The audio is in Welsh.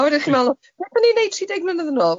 a wedyn chi'n meddwl beth o'n i'n wneud tri deg mlynedd yn ôl?